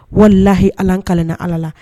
Walahi Ala n kale la Ala la.